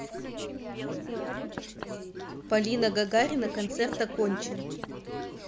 полина гагарина концерт окончен